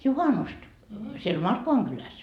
juhannusta siellä Markkovan kylässä